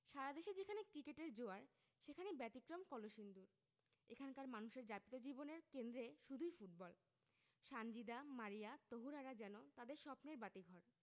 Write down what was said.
সারা দেশে যেখানে ক্রিকেটের জোয়ার সেখানে ব্যতিক্রম কলসিন্দুর এখানকার মানুষের যাপিত জীবনের কেন্দ্রে শুধুই ফুটবল সানজিদা মারিয়া তহুরারা যেন তাদের স্বপ্নের বাতিঘর